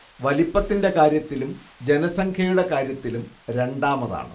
വലിപ്പത്തിന്റെ കാര്യത്തിലും ജനസംഖ്യയുടെ കാര്യത്തിലും രണ്ടാമതാണ്